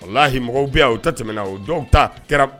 Walahi mɔgɔw bɛ u ta tɛmɛna o dɔw ta kɛra